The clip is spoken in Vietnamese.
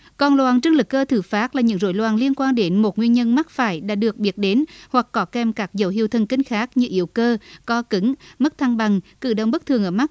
còn loạn trương lực cơ tự phát là những rối loạn liên quan đến một nguyên nhân mắc phải đã được biết đến hoặc có kèm các dấu hiệu thần kinh khác như yếu cơ co cứng mất thăng bằng cử động bất thường ở mắt